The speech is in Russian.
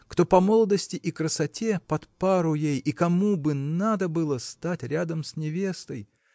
кто по молодости и красоте под пару ей и кому бы надо было стать рядом с невестой.